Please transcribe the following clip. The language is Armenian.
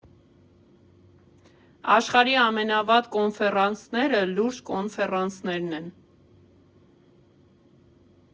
«Աշխարհի ամենավատ կոնֆերանսները լուրջ կոնֆերանսներն են։